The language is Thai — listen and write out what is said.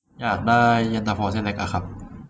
อยากได้เย็นตาโฟเส้นเล็กอะครับ